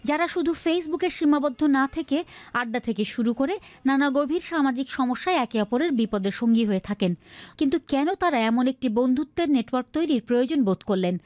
যারা শুধু ফেসবুকেই সীমাবদ্ধ না থেকে আড্ডা থেকে শুরু করে নানা গভীর সামাজিক সমস্যায় একে অপরের বিপদে সঙ্গী হয়ে থাকেন কিন্তু কেন তারা এমন একটি বন্ধুত্তের নেটওয়ার্ক তৈরীর প্রয়োজন বোধ করলেন